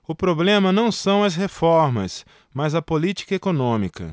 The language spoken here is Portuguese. o problema não são as reformas mas a política econômica